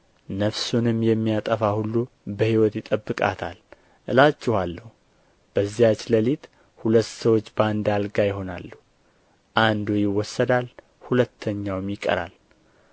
ነፍሱን ሊያድን የሚፈልግ ሁሉ ያጠፋታል ነፍሱንም የሚያጠፋ ሁሉ በሕይወት ይጠብቃታል እላችኋለሁ በዚያች ሌሊት ሁለት ሰዎች በአንድ አልጋ ይሆናሉ አንዱ ይወሰዳል ሁለተኛውም ይቀራል